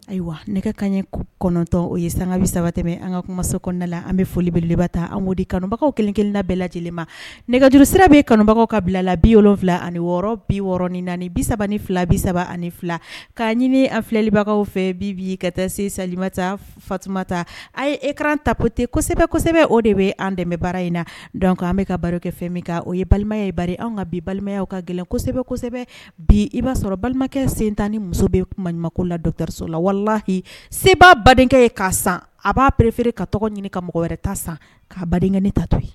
Ayiwa nɛgɛ kaɲɛ kɔnɔntɔn o ye sanbi3 tɛmɛ an ka kuma se kɔnɔnala an bɛ folibeleba ta an di kanubagaw kelenkelenna bɛɛ lajɛlen ma nɛgɛjuru sira bɛ kanubagaw ka bila la bi wolonwula ani wɔɔrɔ bi wɔɔrɔ ni naani bisa ni fila bisa ani fila k kaa ɲini an filɛlibagaw fɛ bi bi ka tɛ se sali tan fat ta a yeekran tapte kosɛbɛ kosɛbɛ o de bɛ an dɛmɛ baara in na dɔn an bɛka ka baara kɛ fɛn min o ye balimaya bara an ka bi balimayaw ka gɛlɛn kosɛbɛ kosɛbɛ bi i b'a sɔrɔ balimakɛ sen tan ni muso bɛ kumama la dɔtaso la walahi se bbaa baden ye k kaa san a b'a pereeere ka tɔgɔ ɲini ka mɔgɔ wɛrɛ ta san k kaa baden ne ta to